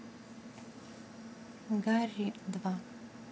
гарри два